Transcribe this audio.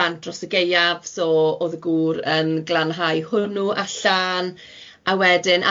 bant dros y gaeaf, so o'dd y gŵr yn glanhau hwnnw allan, a wedyn